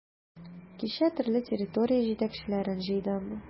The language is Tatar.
Кичә төрле территория җитәкчеләрен җыйдым.